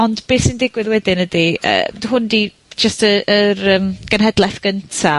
ond be' sy'n digwydd wedyn ydi, yy d- hwn 'di jest y yr yym, genhedleth gynta,